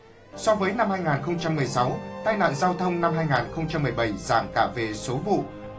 so với năm hai ngàn không trăm mười sáu tai nạn giao thông năm hai ngàn không trăm mười bảy giảm cả về số vụ